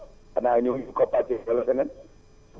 xanaa ñëwu ñu COPACEL wala feneen